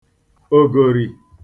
ògòrì